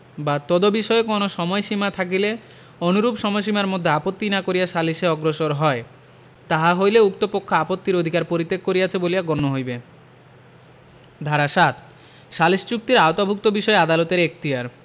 বা তদবিষয়ে কোন সময়সীমা থাকিলে অনুরূপ সময়সীমার মধ্যে আপত্তি না করিয়া সালিসে অগ্রসর হয় তাহা হইলে উক্ত পক্ষ আপত্তির অধিকার পরিত্যাগ করিয়াছে বলিয়া গণ্য হইবে ধারা ৭ সালিস চুক্তির আওতাভুক্ত বিষয়ে আদালতের এখতিয়ার